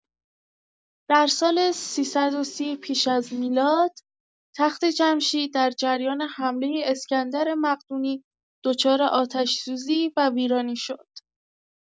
در سال ۳۳۰ پیش از میلاد، تخت‌جمشید در جریان حمله اسکندر مقدونی دچار آتش‌سوزی و ویرانی شد.